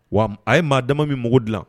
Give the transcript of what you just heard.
Wa a ye maa dama min mugu dilan